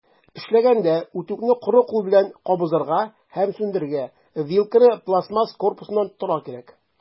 Эшләгәндә, үтүкне коры кул белән кабызырга һәм сүндерергә, вилканы пластмасс корпусыннан тотарга кирәк.